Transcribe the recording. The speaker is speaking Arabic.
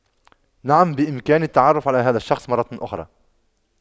نعم بإمكاني التعرف على هذا الشخص مرة أخرى